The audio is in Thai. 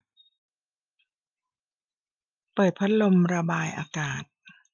เปิดพัดลมระบายอากาศ